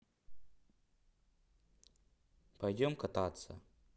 пойдем кататься